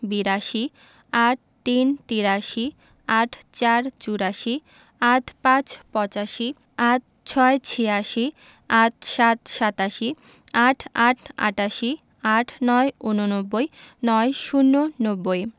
– বিরাশি ৮৩ – তিরাশি ৮৪ – চুরাশি ৮৫ – পঁচাশি ৮৬ – ছিয়াশি ৮৭ – সাতাশি ৮৮ – আটাশি ৮৯ – ঊননব্বই ৯০ - নব্বই